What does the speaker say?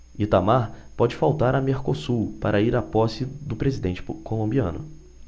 itamar pode faltar a mercosul para ir à posse do presidente colombiano